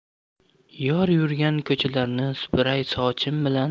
yor yurgan ko'chalarni supuray sochim bilan